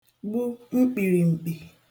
gbu mkpìrim̀kpì